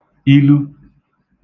ilu